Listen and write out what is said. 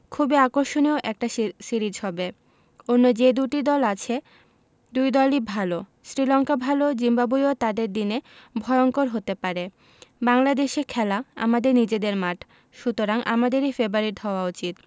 খুবই আকর্ষণীয় একটা সিরিজ হবে অন্য যে দুটি দল আছে দুই দলই ভালো শ্রীলঙ্কা ভালো জিম্বাবুয়েও তাদের দিনে ভয়ংকর হতে পারে বাংলাদেশে খেলা আমাদের নিজেদের মাঠ সুতরাং আমাদেরই ফেবারিট হওয়া উচিত